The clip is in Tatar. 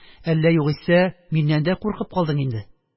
Әллә югыйсә миннән дә куркып калдың инде?